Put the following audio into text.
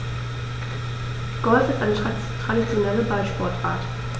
Golf ist eine traditionelle Ballsportart.